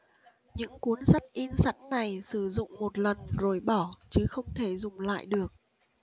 những cuốn sách in sẵn này sử dụng một lần rồi bỏ chứ không thể dùng lại được